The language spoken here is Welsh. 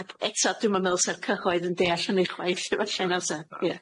Ac eto dwi'm yn meddwl sa'r cyhoedd yn deall hynny chwaith felly na fysa. Na. Ie. Na.